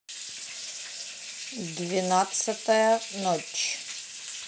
двенадцатая ночь